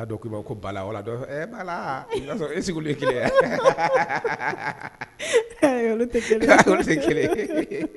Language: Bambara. A dɔn' kulubali ko bala wala bala y' e sigilen kelen kelen